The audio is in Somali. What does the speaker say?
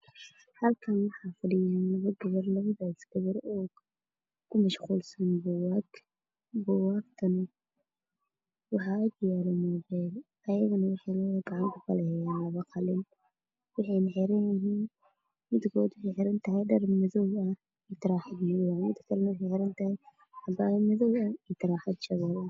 Halkaan waxaa fadhiyo labo Gabar. labadaas Gabar oo oo ku masquulsan buugaag, buugaagtana waxa agyaal mobile ayadana Waxay wada gacanta ku haayaan laba qallin Waxay xeran yihiin Dhar mid yahay xeran tahay taraxad madow midab kalena waxay xeran tahay cabaayo madow taraxad shabbeel ah .